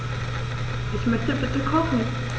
Ich möchte bitte kochen.